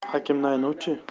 hakim naynov chi